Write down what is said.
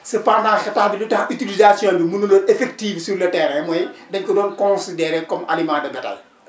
ce pendant ce temps bi lu tax utilisation bi mënul a effective sur le terrain mooy dañu ko doon considéré comme aliment de bétail